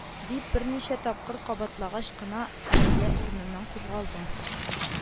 Дип берничә тапкыр кабатлагач кына әдилә урыныннан кузгалды